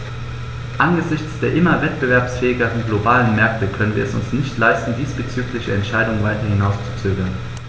Angesichts der immer wettbewerbsfähigeren globalen Märkte können wir es uns nicht leisten, diesbezügliche Entscheidungen weiter hinauszuzögern.